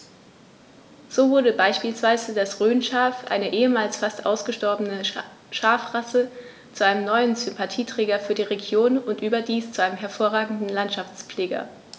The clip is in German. So wurde beispielsweise das Rhönschaf, eine ehemals fast ausgestorbene Schafrasse, zu einem neuen Sympathieträger für die Region – und überdies zu einem hervorragenden Landschaftspfleger.